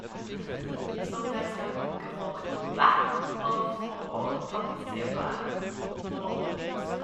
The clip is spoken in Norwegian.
Som jeg skal bruke for å jobbe og for å tapetsere noe rom i huset.